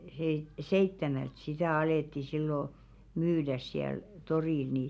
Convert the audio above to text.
- seitsemältä sitä alettiin silloin myydä siellä torilla niin